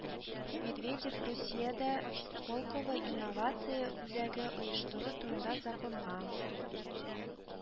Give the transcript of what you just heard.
Медведев Русиядә Сколково инновация үзәге оештыру турында законга